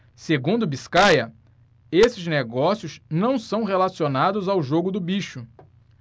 segundo biscaia esses negócios não são relacionados ao jogo do bicho